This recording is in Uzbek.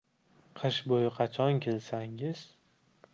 qish bo'yi qachon kelsangiz